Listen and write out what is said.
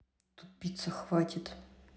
тупица хватит